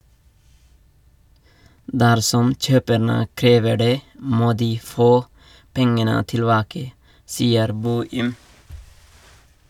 - Dersom kjøperne krever det, må de få pengene tilbake, sier Boym.